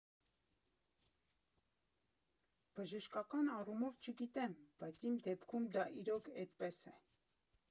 Բժշկական առումով չգիտեմ, բայց իմ դեպքում դա իրոք էդպես ա։